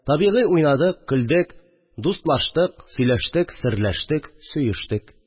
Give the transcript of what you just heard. Табигый, уйнадык, көлдек, дустлаштык, сөйләштек, серләштек, сөештек